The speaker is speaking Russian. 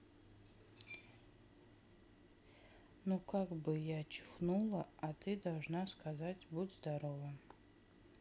ну как бы я чихнула а ты должна сказать будь здорова